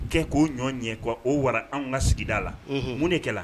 K'o ɲɔ ɲɛ o wara an ka sigida la mun de kɛlɛ